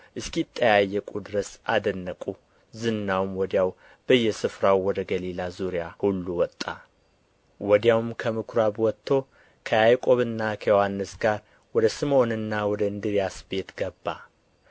እስኪጠያየቁ ድረስ አደነቁ ዝናውም ወዲያው በየስፍራው ወደ ገሊላ ዙሪያ ሁሉ ወጣ ወዲያውም ከምኵራብ ወጥቶ ከያዕቆብና ከዮሐንስ ጋር ወደ ስምዖንና ወደ እንድርያስ ቤት ገባ